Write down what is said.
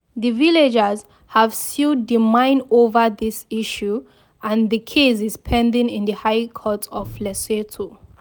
The villagers have sued the mine over this issue, and the case is pending in the High Court of Lesotho.